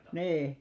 niin